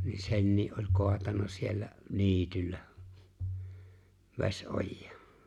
niin senkin oli kaatanut siellä niityllä vesiojaan